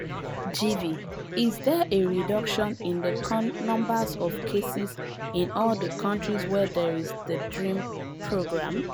GV: Is there a reduction in the number of cases in all the countries where there is the DREAM programme?